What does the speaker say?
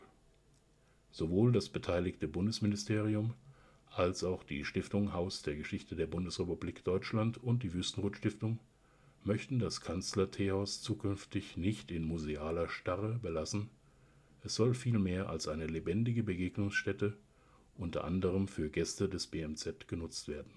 Sowohl das beteiligte Bundesministerium als auch die Stiftung Haus der Geschichte der Bundesrepublik Deutschland und die Wüstenrot-Stiftung möchten das Kanzler-Teehaus zukünftig nicht in " musealer Starre " belassen; es soll vielmehr als eine " lebendige Begegnungsstätte " unter anderem für Gäste des BMZ genutzt werden